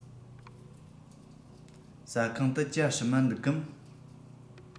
ཟ ཁང དུ ཇ སྲུབས མ འདུག གམ